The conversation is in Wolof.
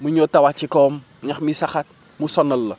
mu ñëw tawaat ci kawam ñax mi saxaat mu sonal la